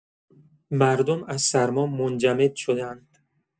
مردم از سرما منجمد شدند.